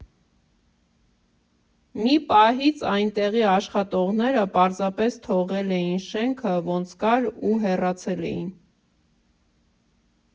Մի պահից այնտեղի աշխատողները պարզապես թողել էին շենքը ոնց կար ու հեռացել էին։